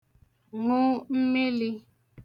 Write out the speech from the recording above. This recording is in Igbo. ṅụ mmilī